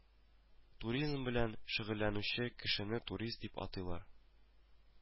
Туризм белән шөгыльләнүче кешене турист дип атыйлар